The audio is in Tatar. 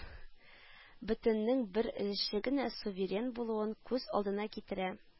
Бөтеннең бер өлеше генә суверен булуын күз алдына китерә